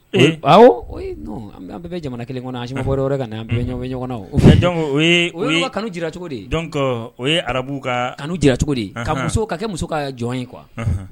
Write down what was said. Bɛɛ bɛ jamana kelen kɔnɔ a ma fɔ wɛrɛ ka bɛ ɲɔgɔn ɲɔgɔn o o kanu jira cogo de o ye arabu ka kanu jira cogo de ka muso ka kɛ muso ka ye jɔn ye kuwa